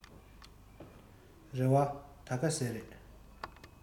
རེ བ ད ག ཟེ རེད